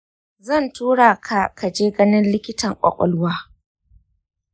zan tura ka ka je ganin likitan ƙwaƙwalwa.